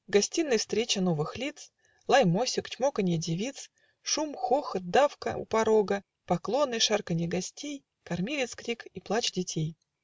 В гостиной встреча новых лиц, Лай мосек, чмоканье девиц, Шум, хохот, давка у порога, Поклоны, шарканье гостей, Кормилиц крик и плач детей.